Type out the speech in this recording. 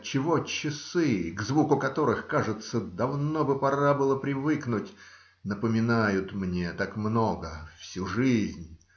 отчего часы, к звуку которых, кажется, давно бы пора было привыкнуть, напоминают мне так много? Всю жизнь.